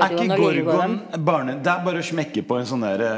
er ikke Gorgon det bare smekke på en sånn derre